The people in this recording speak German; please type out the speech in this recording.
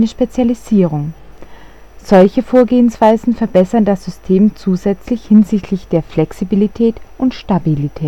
Spezialisierung. Solche Vorgehensweisen verbessern das System zusätzlich hinsichtlich Flexibilität und Stabilität